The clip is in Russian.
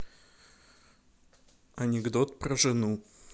анекдот про жену